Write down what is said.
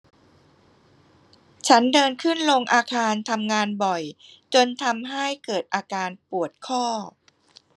ฉันเดินขึ้นลงอาคารทำงานบ่อยจนทำให้เกิดอาการปวดข้อ